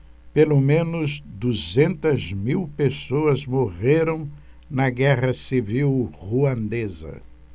pelo menos duzentas mil pessoas morreram na guerra civil ruandesa